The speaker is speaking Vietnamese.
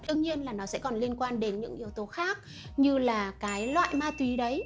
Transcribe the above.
đương nhiên nó sẽ còn liên quan tới các yếu tố khác như là cái loại ma túy ấy